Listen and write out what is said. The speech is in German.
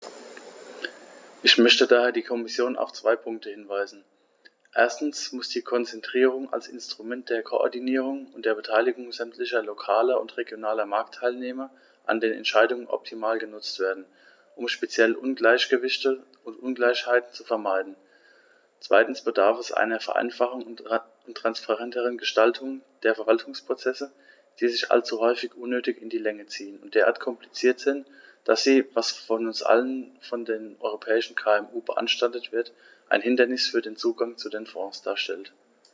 Ich möchte daher die Kommission auf zwei Punkte hinweisen: Erstens muss die Konzertierung als Instrument der Koordinierung und der Beteiligung sämtlicher lokaler und regionaler Marktteilnehmer an den Entscheidungen optimal genutzt werden, um speziell Ungleichgewichte und Ungleichheiten zu vermeiden; zweitens bedarf es einer Vereinfachung und transparenteren Gestaltung der Verwaltungsprozesse, die sich allzu häufig unnötig in die Länge ziehen und derart kompliziert sind, dass sie, was vor allem von den europäischen KMU beanstandet wird, ein Hindernis für den Zugang zu den Fonds darstellen.